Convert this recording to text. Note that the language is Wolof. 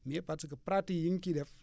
mais parce que pratique yi ñu ciy def